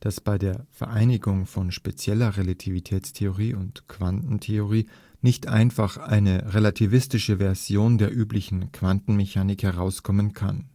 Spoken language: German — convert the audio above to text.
dass bei der Vereinigung von spezieller Relativitätstheorie und Quantentheorie nicht einfach eine relativistische Version der üblichen Quantenmechanik herauskommen kann